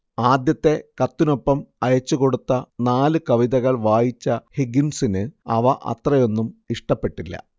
ആദ്യത്തെ കത്തിനൊപ്പം അയച്ചുകൊടുത്ത നാല് കവിതകൾ വായിച്ച ഹിഗിൻസിന് അവ അത്രയൊന്നും ഇഷ്ടപ്പെട്ടില്ല